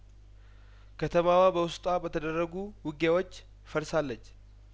ከተማዋ በውስጧ በተደረጉ ውጊያዎች ፈር ሳለች